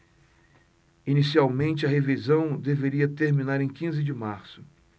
inicialmente a revisão deveria terminar em quinze de março